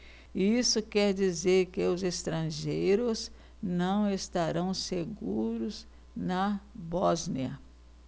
isso quer dizer que os estrangeiros não estarão seguros na bósnia